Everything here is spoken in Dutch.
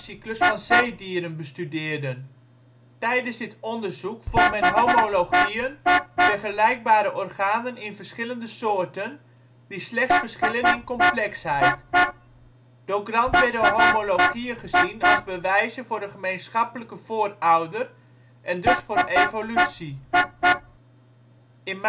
zeedieren bestudeerden. Tijdens dit onderzoek vond men homologieën, vergelijkbare organen in verschillende soorten, die slechts verschillen in complexheid. Door Grant werden homologieën gezien als bewijzen voor een gemeenschappelijke voorouder en dus voor evolutie. In maart